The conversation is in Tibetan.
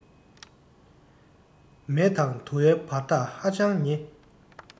མེ དང དུ བའི བར ཐག ཧ ཅང ཉེ